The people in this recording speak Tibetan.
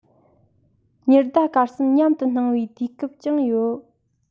ཉི ཟླ སྐར གསུམ མཉམ དུ སྣང བའི དུས སྐབས ཀྱང ཡོད